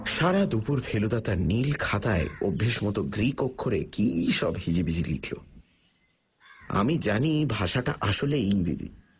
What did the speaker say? সারা দুপুর ফেলুদা তার নীল খাতায় অভ্যাস মতো গ্রিক অক্ষরে কী সব হিজিবিজি লিখল আমি জানি ভাষাটা আসলে ইংরিজি